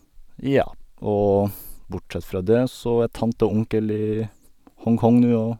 Ja, og bortsett fra det så er tante og onkel i Hong Kong nå, og...